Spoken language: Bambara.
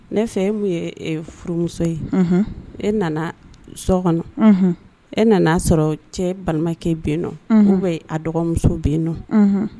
Ne fɛ ye furumuso ye e nana so kɔnɔ e nana'a sɔrɔ cɛ balimakɛ bɛ yen nɔ bɛ a dɔgɔmuso bɛ yen nɔ